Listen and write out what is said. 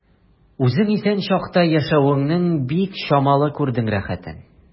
Үзең исән чакта яшәвеңнең бик чамалы күрдең рәхәтен.